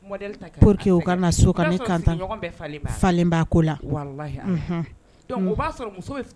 Model bɛ kɛ pour que . u ka na so k'ale lkanda. O b'ansɔrɔ sigi ɲɔgɔn bɛɛ falen b'a ko la. wallahi Allah unhun, donc o b'a sɔrɔ muso